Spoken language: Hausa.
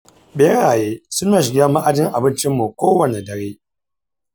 ɓeraye suna shiga ma’ajin abincin mu kowane dare.